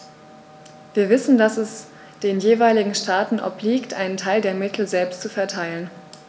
Wir wissen, dass es den jeweiligen Staaten obliegt, einen Teil der Mittel selbst zu verteilen.